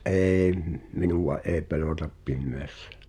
en - minua ei pelota pimeässä